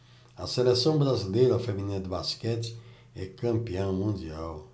a seleção brasileira feminina de basquete é campeã mundial